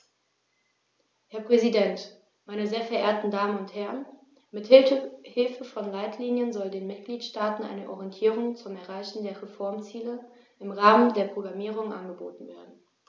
Herr Präsident, meine sehr verehrten Damen und Herren, mit Hilfe von Leitlinien soll den Mitgliedstaaten eine Orientierung zum Erreichen der Reformziele im Rahmen der Programmierung angeboten werden.